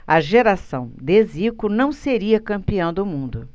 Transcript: a geração de zico não seria campeã do mundo